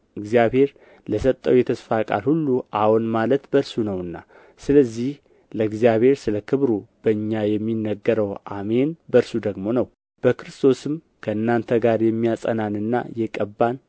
እግዚአብሔር ለሰጠው የተስፋ ቃል ሁሉ አዎን ማለት በእርሱ ነውና ስለዚህ ለእግዚአብሔር ስለ ክብሩ በእኛ የሚነገረው አሜን በእርሱ ደግሞ ነው በክርስቶስም ከእናንተ ጋር የሚያጸናንና የቀባን